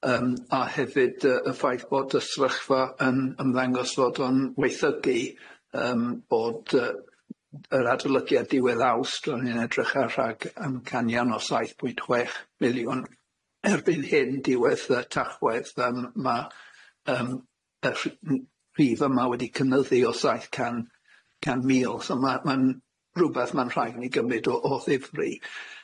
Yym a hefyd yy y ffaith bod y sefyllfa yn ymddangos fod o'n waethygu, yym bod yy yr adolygiad diwedd Awst, o'n i'n edrych ar rhag amcanian o saith pwynt chwech miliwn, -byn hyn cyn diwedd y Tachwedd yym ma' yym y rh- n- rhif yma wedi cynyddu o saith can can mil, so ma' ma'n rwbeth ma'n rhaid i ni gymryd o o ddifri.